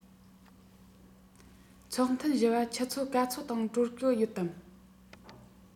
ཚོགས ཐུན བཞི པ ཆུ ཚོད ག ཚོད སྟེང གྲོལ གི ཡོད དམ